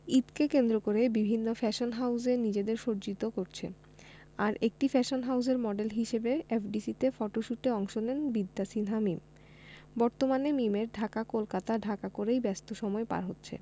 ঈদকে কেন্দ্র করে বিভিন্ন ফ্যাশন হাউজ নিজেদের সজ্জিত করছে আর একটি ফ্যাশন হাউজের মডেল হিসেবে এফডিসি তে ফটোশ্যুটে অংশ নেন বিদ্যা সিনহা মীম বর্তমানে মিমের ঢাকা কলকাতা ঢাকা করেই ব্যস্ত সময় পার হচ্ছে